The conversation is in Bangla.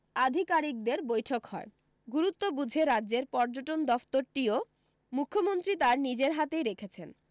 আধিকারিকদের বৈঠক হয় গুরুত্ব বুঝে রাজ্যের পর্যটন দফতরটিও মুখ্যমন্ত্রী তার নিজের হাতেই রেখেছেন